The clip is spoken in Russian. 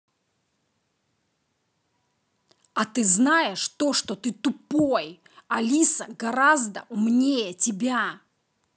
а ты знаешь то что ты тупой алиса гораздо умнее тебя